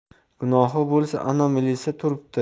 gunohi bo'lsa ana milisa turibdi